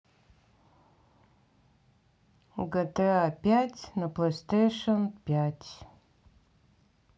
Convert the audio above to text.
гта пять на плейстейшен пять